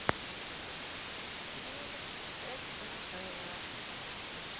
фильм ссср